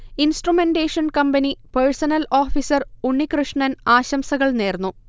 instrumentation company personnel officer Unnikrishnan ആശംസകൾ നേർന്നു